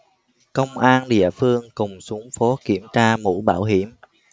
công an địa phương cùng xuống phố kiểm tra mũ bảo hiểm